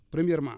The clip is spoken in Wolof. premièrement